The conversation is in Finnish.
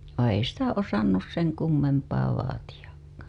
vaan ei sitä osannut sen kummempaa vaatiakaan